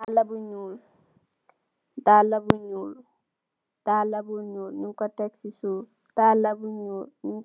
Dalla bu ñuul, ñiñ